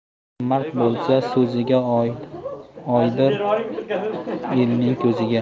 kim mard bo'lsa so'ziga oydir elning ko'ziga